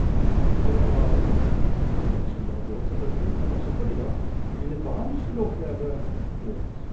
Og det var for at jeg skulle ha båt, selvfølgelig, men også fordi at mine barn skulle oppleve båt.